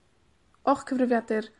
o'ch cyfrifiadur.